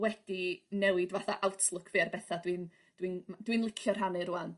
wedi newid fatha awtlygfi ar bethau dwi' dw i'n dwi'n licio rhannu rŵan dw i'd